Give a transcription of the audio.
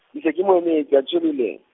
ke ntse ke mo emetse, a tsho beleng.